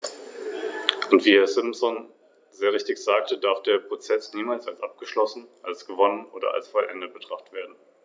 Wir hoffen, dass diejenigen, die eine Ablehnung dieser Änderungsanträge in Betracht ziehen, sowohl dem Parlament als auch ihren Arbeit suchenden Bürgern triftige Gründe für ihre Entscheidung nennen können.